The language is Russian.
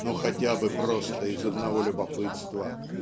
ну, хотя бы просто из одного любопытства",